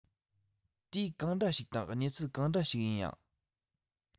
དུས གང འདྲ ཞིག དང གནས ཚུལ གང འདྲ ཞིག ཡིན ཡང